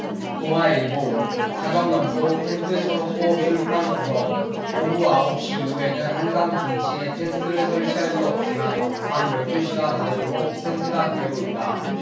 동아일보 자정 넘도록 텐트 쳐놓고 술판 고성오후 아홉 시 이후에는 한강 둔치에 텐트를 설치할 수 없지만 밤 열 두 시가 다 되도록 텐트가 그대로 있다